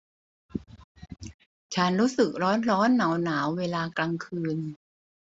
ฉันรู้สึกร้อนร้อนหนาวหนาวเวลากลางคืน